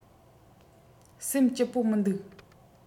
སེམས སྐྱིད པོ མི འདུག